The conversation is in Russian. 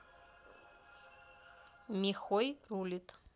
михой рулит